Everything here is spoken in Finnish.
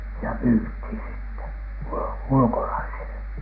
ja myytiin sitten - ulkolaisille